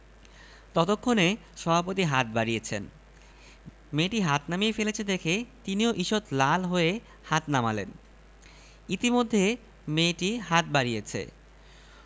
কাজেই সে হাত পা ছুড়ে বিকট চিৎকার শুরু করেছে চায়ের কাপটাপ উন্টে ফেলছে তাকে সামলাবার জন্যে শেষ পর্যন্ত ভদ্রমহিলাকে পটি তে বসার একটা ভঙ্গি করতে হল